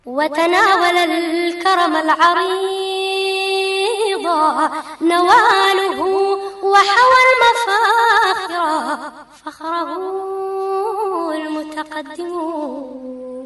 Wa wolokɔrɔ bɔ n wa wolo ju